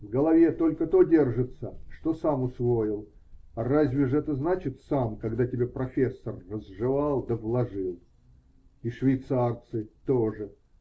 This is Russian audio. В голове только то держится, что сам усвоил, а разве ж это значит сам, когда тебе профессор разжевал да вложил? И швейцарцы тоже.